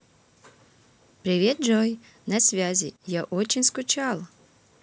привет джой на связи я очень скучал